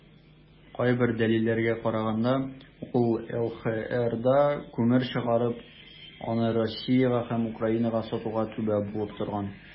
Кайбер дәлилләргә караганда, ул ЛХРда күмер чыгарып, аны Россиягә һәм Украинага сатуга "түбә" булып торган.